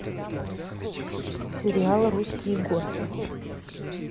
сериал русские горки